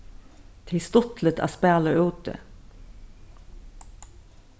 tað er stuttligt at spæla úti